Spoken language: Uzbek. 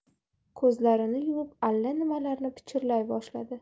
ko'zlarini yumib allanimalarni pichirlay boshladi